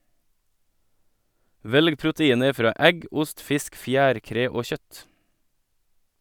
Velg proteiner fra egg, ost, fisk, fjærkre og kjøtt.